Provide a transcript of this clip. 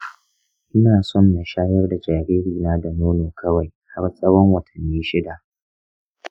ina son na shayar da jaririna da nono kawai har tsawon watanni shida.